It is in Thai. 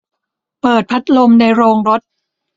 เปิดพัดลมในโรงรถ